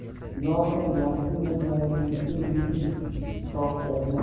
iloho yaxshi niyatlaringizga yeting shoh o'g'lim